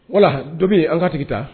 Voila dɔ bɛ yen an k'a tigi ta